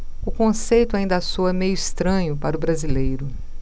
o conceito ainda soa meio estranho para o brasileiro